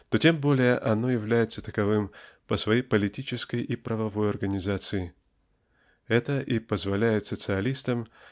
то тем более оно является таковым по своей политической и правовой организации. Это и позволяет социалистам